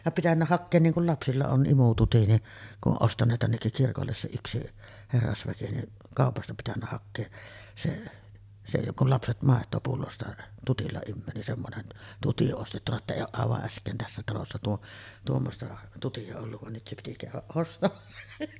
ja pitänyt hakea niin kun lapsilla on imututti niin kun on ostaneet tännekin kirkolle se yksi herrasväki niin kaupasta pitänyt hakea se se joka on lapset maitoa pullosta tutilla imee niin semmoinen tutti ostettu että ei ole aivan äsken tässä talossa - tuommoista tuttia ollut vaan nyt se piti käydä ostamassa